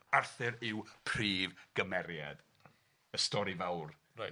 Arthur yw prif gymeriad y stori fawr... Reit...